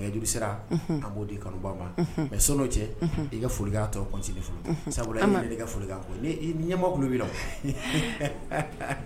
Juru a b di kanu ma mɛ so cɛ i ka foli tɔ sabula ɲama